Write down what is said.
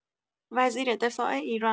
وزیر دفاع ایران